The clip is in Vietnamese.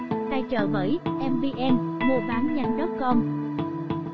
tài trợ bởi muabannhanh com